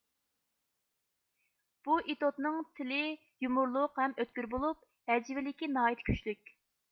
بۇ ئېتوتنىڭ تىلى يۇمۇرلۇق ھەم ئۆتكۈر بولۇپ ھەجۋىيلىكى ناھايىتى كۈچلۈك